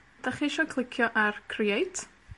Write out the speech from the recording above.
'dach chi isio clicio ar Create.